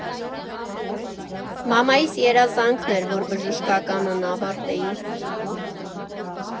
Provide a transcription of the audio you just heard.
Մամայիս երազանքն էր, որ բժշկականն ավարտեի։